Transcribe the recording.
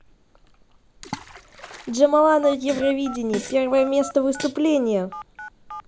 джамала на евровидении первое место выступление